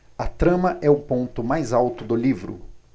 a trama é o ponto mais alto do livro